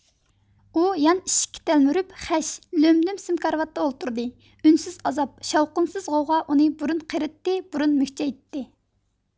ئۇ يان ئىشىككە تەلمۈرۈپ خەش لۆم لۆم سىم كارىۋاتتا ئولتۇردى ئۈنسىز ئازاب شاۋقۇنسىز غوۋغا ئۇنى بۇرۇن قېرىتتى بۇرۇن مۈكچەيتتى